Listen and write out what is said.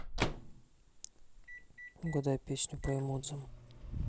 угадай песню по эмодзам